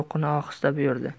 quruqqina ohista buyurdi